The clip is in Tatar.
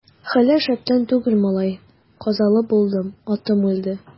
Хәлләр шәптән түгел, малай, казалы булдым, атым үлде.